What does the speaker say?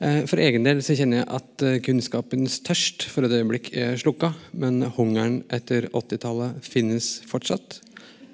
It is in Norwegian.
for egen del så kjenner jeg at kunnskapens tørst for et øyeblikk er slukka, men hungeren etter åttitallet finnes fortsatt.